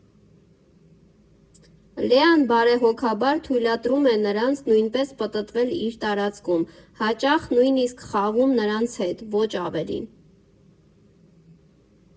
Լեան բարեհոգաբար թույլատրում է նրանց նույնպես պտտվել իր տարածքում, հաճախ նույնիսկ խաղում նրանց հետ, ոչ ավելին։